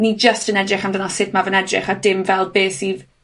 ni jyst yn edrych amdana sut ma' fe'n edrych a dim fel be' sydd